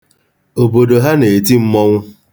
Obodo ha na-eti mmọnwụ.